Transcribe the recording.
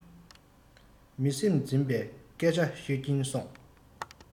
མི སེམས འཛིན པའི སྐད ཆ ཤོད ཀྱིན སོང